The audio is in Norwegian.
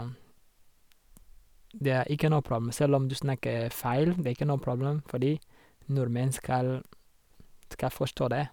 Det er ikke noe problem, selv om du snakker feil, det er ikke noe problem, fordi nordmenn skal skal forstå det.